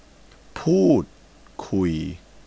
พูดคุย